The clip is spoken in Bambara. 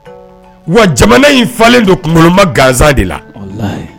Wa jamana in falen don kunkoloma ganzan de la; Walahi.